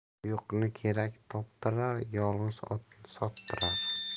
yo'qni kerak toptirar yolg'iz otni sottirar